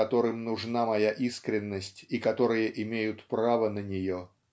которым нужна моя искренность и которые имеют право на нее"